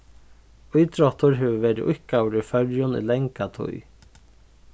ítróttur hevur verið íðkaður í føroyum í langa tíð